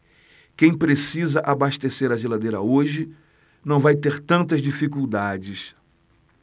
quem precisar abastecer a geladeira hoje não vai ter tantas dificuldades